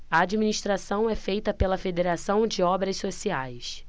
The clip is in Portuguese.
a administração é feita pela fos federação de obras sociais